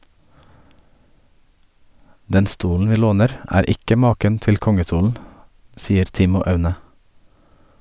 Den stolen vi låner er ikke maken til kongestolen, sier Timmo Aune.